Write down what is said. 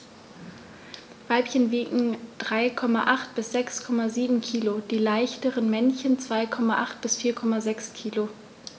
Weibchen wiegen 3,8 bis 6,7 kg, die leichteren Männchen 2,8 bis 4,6 kg.